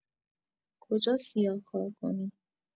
کجا سیاه‌کار کنی